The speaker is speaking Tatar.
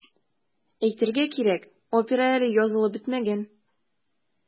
Әйтергә кирәк, опера әле язылып бетмәгән.